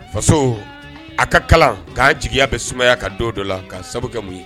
Faso a ka kalan nk'a jigiya bɛ sumaya ka don dɔ la k'a sababu mun ye